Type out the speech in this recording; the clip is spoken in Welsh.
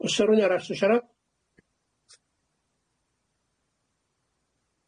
O'sa rywun arall isio siarad?